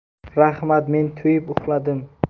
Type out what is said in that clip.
raxmat men to'yib uxladim